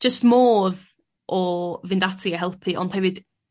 jyst modd o fynd ati i helpu ond hefyd